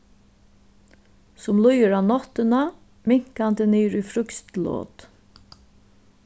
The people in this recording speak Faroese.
sum líður á náttina minkandi niður í frískt lot